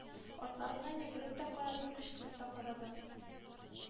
Артларыннан йөгереп тә карадым, кычкырып та карадым...